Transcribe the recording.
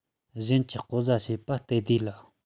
གཞན གྱིས ལྐོག ཟ བྱེད པར སྟབས བདེ ལ